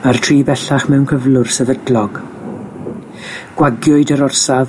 Mae'r tri bellach mewn cyflwr sefydlog. Gwagiwyd yr orsaf